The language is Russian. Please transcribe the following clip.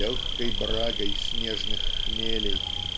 "легкой брагой снежных хмелей".